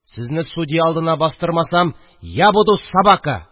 Сезне судья алдына бастырмасам, я буду собака